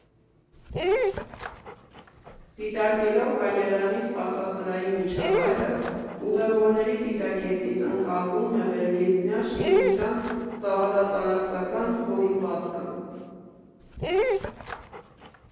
Դիտարկելով կայարանի սպասասրահի միջավայրը, ուղևորների դիտակետից, ընկալվում է վերգետնյա շինության ծավալատարածական հորինվածքը։